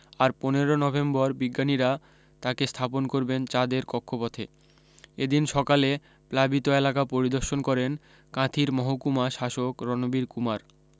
আর পনের নভেম্বর বিজ্ঞানীরা তাকে স্থাপন করবেন চাঁদের কক্ষপথে এদিন সকালে প্লাবিত এলাকা পরিদর্শন করেন কাঁথির মহকুমা শাসক রণবীর কুমার